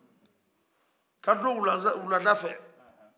kari don wulada fɛ